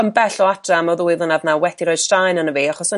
o yn bell o adra am y ddwy flynadd 'na wedi rhoi straen arna fi achos